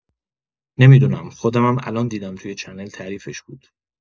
نمی‌دونم خودمم الان دیدم تو یه چنل تعریفش بود